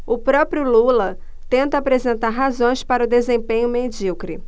o próprio lula tenta apresentar razões para o desempenho medíocre